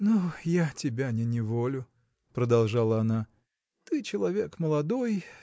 – Ну, я тебя не неволю, – продолжала она, – ты человек молодой